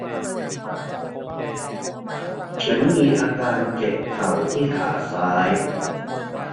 ฉันมีอาการเจ็บเข่าที่ขาซ้าย